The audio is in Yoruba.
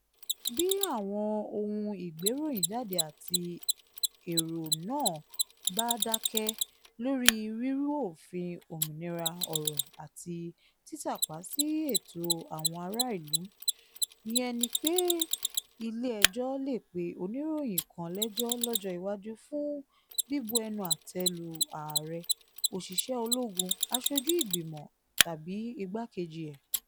Bí àwọn ohun ìgberòyìn jáde àti èrò náà bá dákẹ́ lórí rírú òfin òmìnira ọ̀rọ̀ àti títàpá sí ẹ̀tọ́ àwọn ará ìlú, ìyẹn ni pé ilé ẹjọ́ lè pe oniroyin kan lẹ́jọ́ lọ́jọ́ iwájú fún bíbu ẹnu àtẹ́ lu Aàrẹ, òṣìṣẹ́ ológun, aṣojú ìgbìmọ̀ tàbí igbákejì ẹ̀.